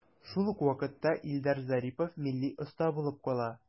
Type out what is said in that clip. Шул ук вакытта Илдар Зарипов милли оста булып кала.